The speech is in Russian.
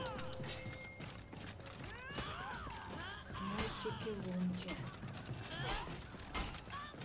мультики лунтик